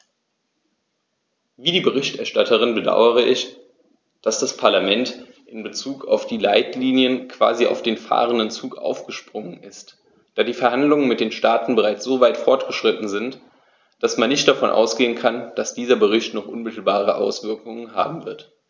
Wie die Berichterstatterin bedaure ich, dass das Parlament in bezug auf die Leitlinien quasi auf den fahrenden Zug aufgesprungen ist, da die Verhandlungen mit den Staaten bereits so weit fortgeschritten sind, dass man nicht davon ausgehen kann, dass dieser Bericht noch unmittelbare Auswirkungen haben wird.